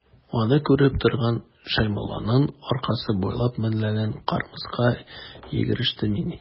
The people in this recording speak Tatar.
Аны күреп торган Шәймулланың аркасы буйлап меңләгән кырмыска йөгерештемени.